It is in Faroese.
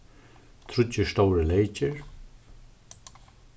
tríggir stórir leykir